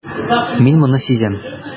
Мин моны сизәм.